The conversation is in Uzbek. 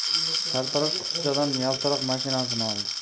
sartarosh qutichadan yaltiroq mashinasini oldi